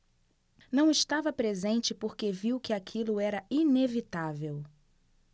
não estava presente porque viu que aquilo era inevitável